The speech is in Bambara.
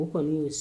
U kɔni'u